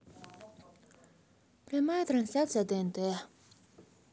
прямая трансляция тнт